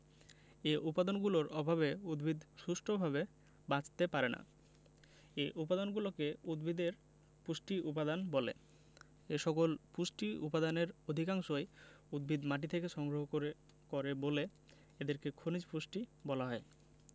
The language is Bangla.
এ উপাদানগুলোর অভাবে উদ্ভিদ সুষ্ঠুভাবে বাঁচতে পারে না এ উপাদানগুলোকে উদ্ভিদের পুষ্টি উপাদান বলে এসকল পুষ্টি উপাদানের অধিকাংশই উদ্ভিদ মাটি থেকে সংগ্রহ করে বলে এদেরকে খনিজ পুষ্টি বলা হয়